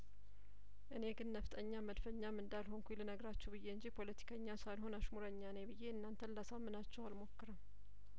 እኔግን ነፍጠኛም መድፈኛም እንዳልሆኩኝ ልነገራችሁ ብዬ እንጂ ፖለቲከኛ ሳልሆን አሽሙረኛ ነኝ ብዬ እናንተን ላሳምናችሁ አልሞክርም